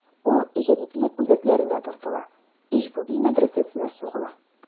Ул җәдитлек үзәкләренә тартыла: Иж-буби мәдрәсәсенә сугыла.